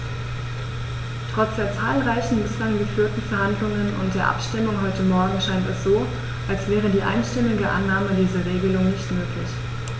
Trotz der zahlreichen bislang geführten Verhandlungen und der Abstimmung heute Morgen scheint es so, als wäre die einstimmige Annahme dieser Regelung nicht möglich.